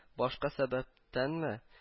Башка сәбәптән ме